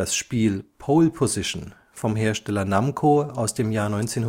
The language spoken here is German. Spiel Pole Position (Namco, 1982